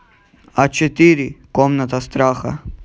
а четыре комната страха